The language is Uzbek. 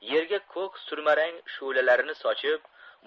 yerga ko'k surmarang shu'lalarini sochib